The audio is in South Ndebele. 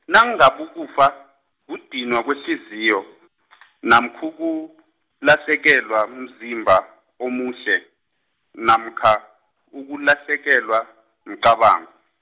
nangabukufa, kudinwa kwehliziyo, namkha kulahlekelwa mzimba, omuhle, namkha, ukulahlekelwa mcabango.